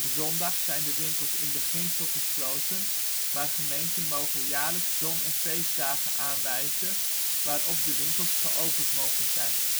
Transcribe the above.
zondag zijn de winkels in beginsel gesloten, maar gemeenten mogen jaarlijks zon - en feestdagen aanwijzen waarop de winkels geopend mogen zijn